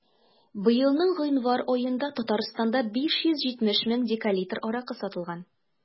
Быелның гыйнвар аенда Татарстанда 570 мең декалитр аракы сатылган.